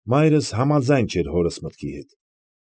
Մայրս համաձայն չէր հորս մտքի հետ։